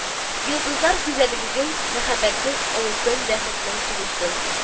Йолдызлар гүзәллеген, мәхәббәтнең олысын, бәхетнең тулысын